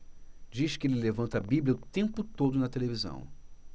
diz que ele levanta a bíblia o tempo todo na televisão